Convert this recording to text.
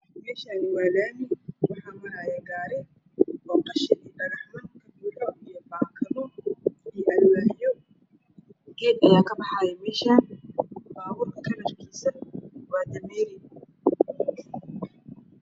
Meeshaan waa laami waxaa maraayo gaari oo qashin iyo baakado alwaax kujiraan. Geed ayaa kabaxaayo. Baabuurka kalarkiisuna waa dameeri.